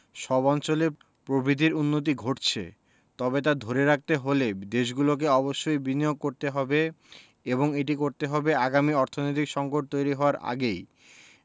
সব অঞ্চলেই প্রবৃদ্ধির উন্নতি ঘটছে তবে তা ধরে রাখতে হলে দেশগুলোকে অবশ্যই বিনিয়োগ করতে হবে এবং এটি করতে হবে আগামী অর্থনৈতিক সংকট তৈরি হওয়ার আগেই